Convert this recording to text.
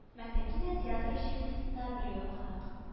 Мәктәптә дә театр училищесында да бергә укыдык